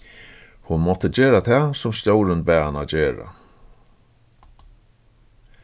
hon mátti gera tað sum stjórin bað hana gera